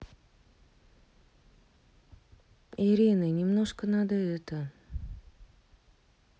ирина немножко надо это